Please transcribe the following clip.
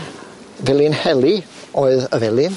Felinheli oedd Y Felin.